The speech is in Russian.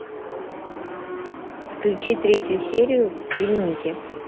включи третью серию клиники